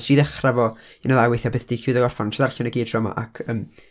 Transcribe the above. wnes i ddechra fo, iw- na, a weithiau byth 'di llwyddo i orffen, ond wnes i ddarllen o gyd tro 'ma, ac, yym...